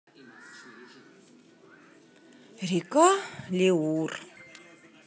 река леур